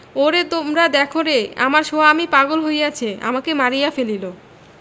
ওরে তোমরা দেখরে আমার সোয়ামী পাগল হইয়াছে আমাকে মারিয়া ফেলিল